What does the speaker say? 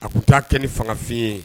A tun t taaa kɛ ni fangafin ye